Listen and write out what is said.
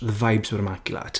the vibes were immaculate.